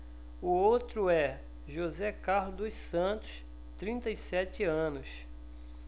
o outro é josé carlos dos santos trinta e sete anos